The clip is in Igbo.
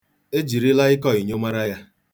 Ejirila ịkọ inyo mara ya.